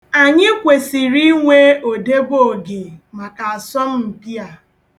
Anyị kwesịrị inwe odebooge maka asọmpi a.